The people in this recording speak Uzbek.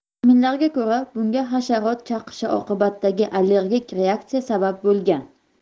taxminlarga ko'ra bunga hasharot chaqishi oqibatidagi allergik reaksiya sabab bo'lgan